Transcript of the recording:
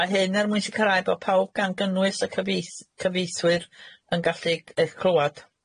Mae hyn er mwyn sicirau bo' pawb, gan gynnwys y cyfiei- cyfieithwyr yn gallu eich clywad.